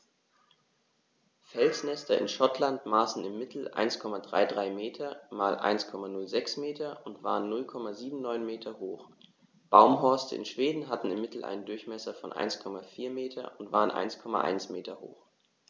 Felsnester in Schottland maßen im Mittel 1,33 m x 1,06 m und waren 0,79 m hoch, Baumhorste in Schweden hatten im Mittel einen Durchmesser von 1,4 m und waren 1,1 m hoch.